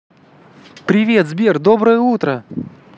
привет сбер доброе утро